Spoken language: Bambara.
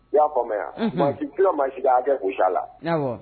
I y'a faamuya a unhun maa si ti se ka maa si ka hakɛ bɔsi a la awɔ